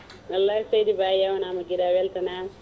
wallay seydi Ba a yewnama guiɗo a weltanama